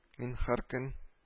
— мин һәр көн